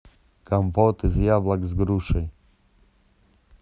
компот из яблок с грушей